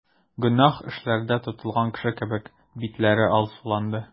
Гөнаһ эшләгәндә тотылган кеше кебек, битләре алсуланды.